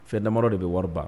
Fɛn dama de bɛ wari ban